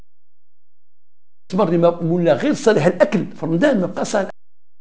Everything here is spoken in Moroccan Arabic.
يصلح الاكل في رمضان